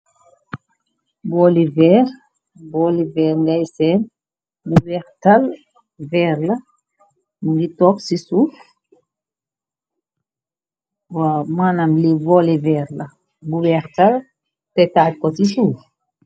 Boieer booli veer ngay seen bu weextal veer la ngi toox ci suuf wa manam li bolieerbu weextal te taaj ko ci suuf.